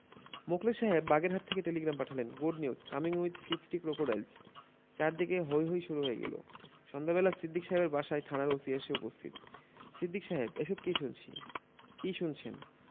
মুখলেস সাহেব বাগেরহাট থেকে টেলিগ্রাম পাঠালেন good news. Coming with fifty crocodiles চারদিকে হৈ হৈ শুরু হয়ে গেল সন্ধ্যাবেলা সিদ্দিক সাহেবের বাসায় থানার ওসি এসে উপস্থিত 'সিদ্দিক সাহেব এসব কি শুনছি কি শুনছেন